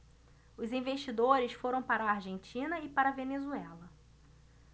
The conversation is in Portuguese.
os investidores foram para a argentina e para a venezuela